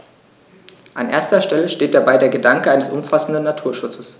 An erster Stelle steht dabei der Gedanke eines umfassenden Naturschutzes.